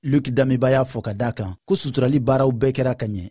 luc damiba y'a fɔ ka da a kan ko suturali baaraw bɛɛ kɛra ka ɲɛ